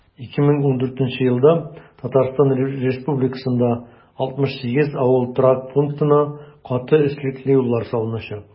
2014 елда татарстан республикасында 68 авыл торак пунктына каты өслекле юллар салыначак.